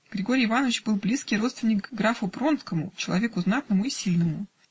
Григорий Иванович был близкий родственник графу Пронскому, человеку знатному и сильному